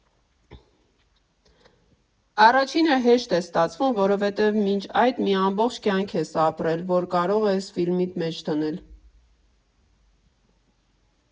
Առաջինը հեշտ է ստացվում, որովհետև մինչ այդ մի ամբողջ կյանք ես ապրել, որ կարող ես ֆիլմիդ մեջ դնել։